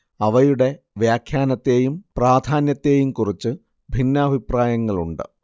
അവയുടെ വ്യാഖ്യാനത്തേയും പ്രാധാന്യത്തേയും കുറിച്ച് ഭിന്നാഭിപ്രായങ്ങളുണ്ട്